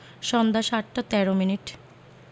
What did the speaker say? সন্ধ্যা ৭টা ১৩ মিনিট